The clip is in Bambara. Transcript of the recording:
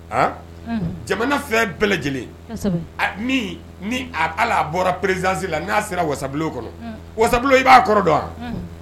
A jamana fɛn bɛɛ lajɛlen ni ala bɔra perezali la n''a sera wasabilen kɔnɔ wasa i b'a kɔrɔ dɔn wa